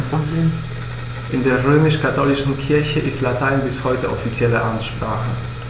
In der römisch-katholischen Kirche ist Latein bis heute offizielle Amtssprache.